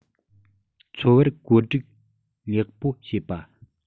འཚོ བར བཀོད སྒྲིག ལེགས པོ བྱེད པ